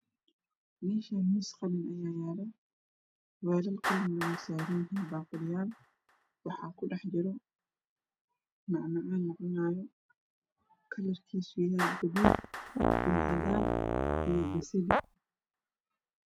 Meshaan waxaa yala miis qalin ah weelal qalin ah wey saran yihiin waxaa ku dhax jira macmacaan la cunaayo midap kiiso yahay buluug iyo cadaan iyo basali